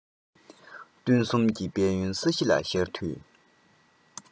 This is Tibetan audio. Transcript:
ཁྱེད ནི དྲི ཟ ཡི བུ མོ ཞིག དང འདྲ བར